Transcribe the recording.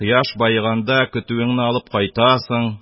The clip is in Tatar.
Кояш баеганда, көтүеңне алып кайтасың,